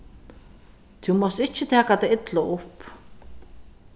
tú mást ikki taka tað illa upp